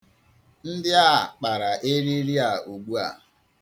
Ndị a kpara eriri a ugbua.